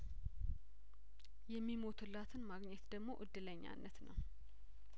የሚሞቱ ላትን ማግኘት ደግሞ እድለኛነት ነው